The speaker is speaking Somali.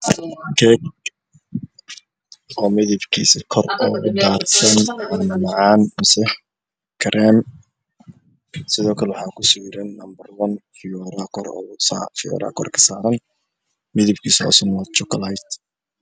Jeeg midabkisa yahay qaxwi midabkiisa waa jokoleyt dheecaan leh